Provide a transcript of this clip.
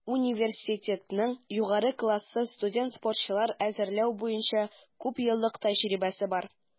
Университетның югары класслы студент-спортчылар әзерләү буенча күпьеллык тәҗрибәсе бар.